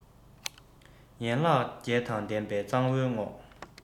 ཡན ལག བརྒྱད དང ལྡན པའི གཙང བོའི ངོགས